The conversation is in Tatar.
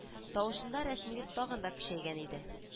Тавышында рәсмилек тагы да көчәйгән иде